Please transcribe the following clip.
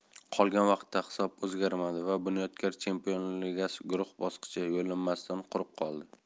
qolgan vaqtda hisob o'zgarmadi va bunyodkor chempionlar ligasi guruh bosqichi yo'llanmasidan quruq qoldi